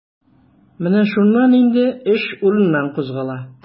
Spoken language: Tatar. Менә шуннан инде эш урыныннан кузгала.